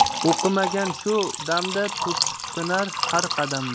o'qimagan shu damda turtinar har qadamda